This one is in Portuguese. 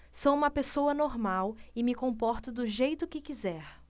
sou homossexual e me comporto do jeito que quiser